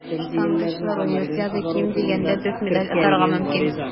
Штангачылар Универсиадада ким дигәндә дүрт медаль отарга мөмкин.